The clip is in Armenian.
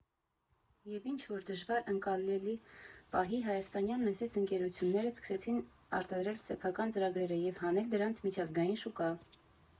Եվ ինչ֊որ մի դժվար ընկալելի պահի հայաստանյան ՏՏ ընկերությունները սկսեցին արտադրել սեփական ծրագրերը և հանել դրանց միջազգային շուկա։